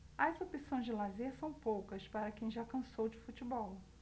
as opções de lazer são poucas para quem já cansou de futebol